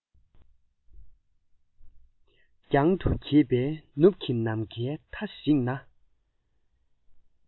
རྒྱང དུ གྱེས པའི ནུབ ཀྱི ནམ མཁའི མཐའ ཞིག ན